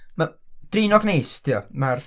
ma'... draenog neis 'dy o, ma'r...